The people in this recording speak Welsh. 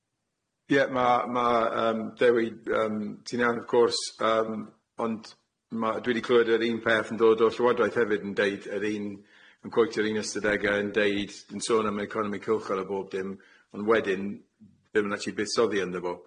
Ie ma' ma' yym Dewi yym ti'n iawn wrth gwrs yym ond ma' dwi di clywed yr un peth yn dod o'r Llywodraeth hefyd yn deud yr un yn quotio'r un ystadegau yn deud yn sôn am yr economi cylchgar a bob dim ond wedyn dim yn acshyli bythsoddi ynddo fo.